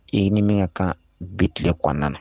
I ni min ka kan bi tilen kɔnɔna na